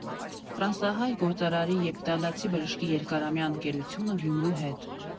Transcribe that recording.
Ֆրանսահայ գործարարի և իտալացի բժշկի երկարամյա ընկերությունը Գյումրու հետ։